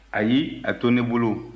ayi a to ne bolo